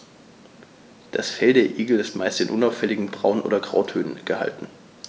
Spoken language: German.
Das Fell der Igel ist meist in unauffälligen Braun- oder Grautönen gehalten.